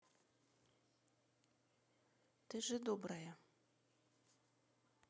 ты же добрая